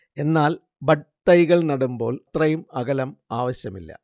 എന്നാൽ ബഡ്ഡ് തൈകൾ നടുമ്പോൾ അത്രയും അകലം ആവശ്യമില്ല